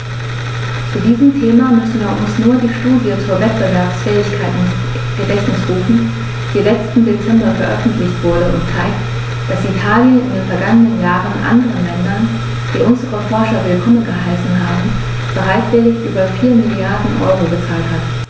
Zu diesem Thema müssen wir uns nur die Studie zur Wettbewerbsfähigkeit ins Gedächtnis rufen, die letzten Dezember veröffentlicht wurde und zeigt, dass Italien in den vergangenen Jahren anderen Ländern, die unsere Forscher willkommen geheißen haben, bereitwillig über 4 Mrd. EUR gezahlt hat.